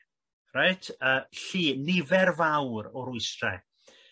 Reit yy llu nifer fawr o rwystre.